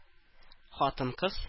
Хатын-кыз